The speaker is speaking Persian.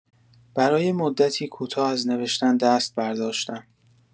برای مدتی کوتاه از نوشتن دست برداشتم